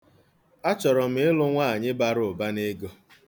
Achọrọ m ịlụ nwaanyị bara ụba n'ego.